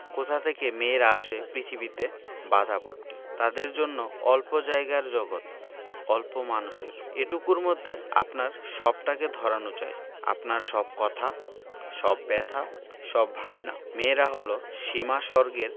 কোথা থেকে মেয়েরা আসে পৃথিবীতে বাঁধা পড়তে তাদের জন্য অল্প জায়গার জগত অল্প মানুষের এটুকুর মধ্যে আপনার সবটাকে ধরানো চাই আপনার সব কথা সব ব্যাথা সব ভাবনা মেয়েরা হল সীমাস্বর্গের